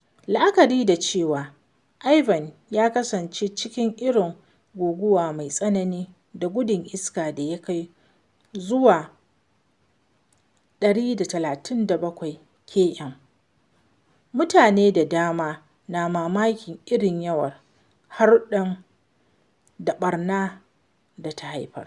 La’akari da cewa Ivan ya kasance cikin irin guguwa mai tsanani da gudun iska ya kai har zuwa 137 km/h, mutane da dama na mamakin irin yawan haɗurra da ɓarna da ta haifar.